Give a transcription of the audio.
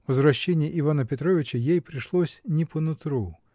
Возвращение Ивана Петровича ей пришлось не по нутру